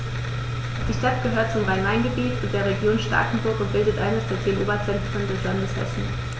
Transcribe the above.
Die Stadt gehört zum Rhein-Main-Gebiet und der Region Starkenburg und bildet eines der zehn Oberzentren des Landes Hessen.